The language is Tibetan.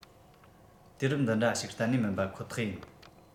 དུས རབས འདི འདྲ ཞིག གཏན ནས མིན པ ཁོ ཐག ཡིན